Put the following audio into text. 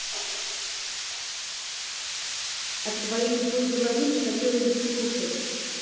от твоей тупой головы не хотелось бы слушать